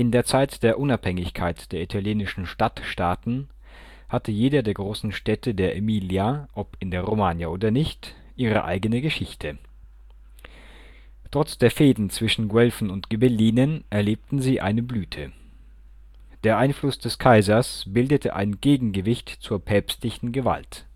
der Zeit der Unabhängigkeit der italienischen Stadtstaaten hatte jede der großen Städte der Emilia, ob in der Romagna oder nicht, ihre eigene Geschichte. Trotz der Fehden zwischen Guelfen und Ghibellinen erlebten sie eine Blüte. Der Einfluss des Kaisers bildete ein Gegengewicht zur päpstlichen Gewalt